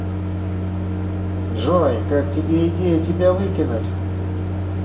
джой как тебе идея тебя выкинуть